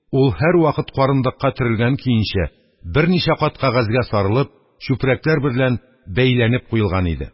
Ул һәрвакыт карындыкка төрелгән көенчә, берничә кат кәгазьгә сарылып, чүпрәкләр берлән бәйләнеп куелган иде.